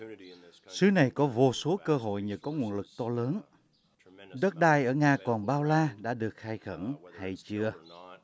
xứ này có vô số cơ hội nhờ có nguồn lực to lớn đất đai ở nga còn bao la đã được khai khẩn hay chưa